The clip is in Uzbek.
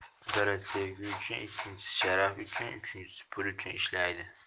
biri sevgi uchun ikkinchisi sharaf uchun uchinchisi pul uchun ishlaydi